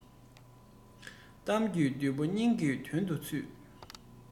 གཏམ གྱི བདུད པོ སྙིང གི དོན དུ ཚུད